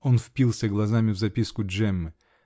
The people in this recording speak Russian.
Он впился глазами в записку Джеммы.